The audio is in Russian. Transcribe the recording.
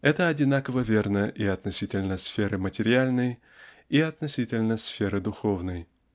Это одинаково верно и относительно сферы материальной и относительно сферы духовной